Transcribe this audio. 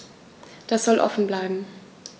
Das soll offen bleiben.